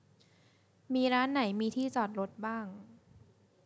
มีร้านไหนมีที่จอดรถบ้าง